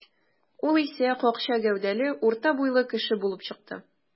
Ул исә какча гәүдәле, урта буйлы кеше булып чыкты.